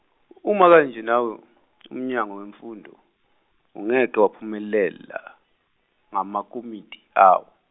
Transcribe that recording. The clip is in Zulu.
uma kunje, nawo uMnyango weMfundo, ungeke waphumelela, ngamakomiti awo.